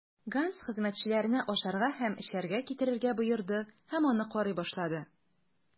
Ганс хезмәтчеләренә ашарга һәм эчәргә китерергә боерды һәм аны карый башлады.